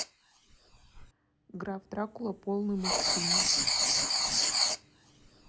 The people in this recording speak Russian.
граф дракула полный мультфильм